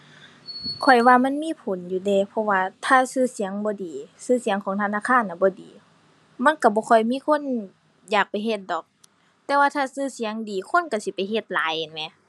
ข้อยว่ามันมีผลอยู่เดะ เพราะว่าถ้าชื่อเสียงบ่ดี ชื่อเสียงของธนาคารน่ะบ่ดี มันชื่อบ่ค่อยมีคนอยากไปเฮ็ดดอก แต่ว่าถ้าชื่อเสียงดี คนชื่อสิไปเฮ็ดหลายน่ะแหม